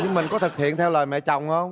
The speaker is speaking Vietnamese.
nhưng mình có thực hiện theo lời mẹ chồng không